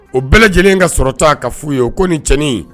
O bɛɛ lajɛlen ka sɔrɔta ka f' ye o ko ni cɛn ye